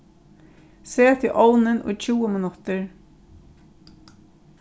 set í ovnin í tjúgu minuttir